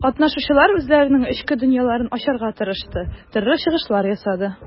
Катнашучылар үзләренең эчке дөньяларын ачарга тырышты, төрле чыгышлар ясады.